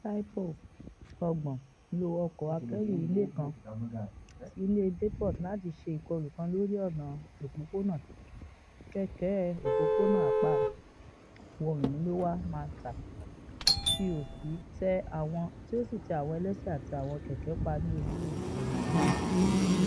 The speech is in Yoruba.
Saipov, 30, lo ọkọ akẹ́rù Ilé kan ti Ilé Depot láti ṣe ìkọlù kan lóri ọ̀nà òpópónà kẹ̀kẹ́ Òpópónà Apá iwọ̀ oòrùn ní Lower Manhattan, tí ósì tẹ àwọn ẹlẹ́sẹ̀ àti awa kẹ̀kẹ́ pa ní ojú ọ̀nà ní